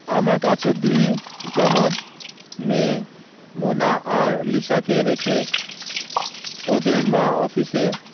আমার কাছে দুই জমজ মেয়ে মোনা আর লিসাকে রেখে ওদের মা অফিসে